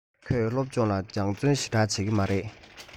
ཁོས སློབ སྦྱོང ལ སྦྱོང བརྩོན ཞེ དྲགས བྱེད ཀྱི མ རེད